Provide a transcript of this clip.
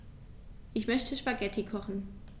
Ich möchte Spaghetti kochen.